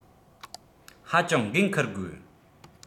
ཧ ཅང འགན འཁུར དགོས